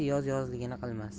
yoz yozligini qilmas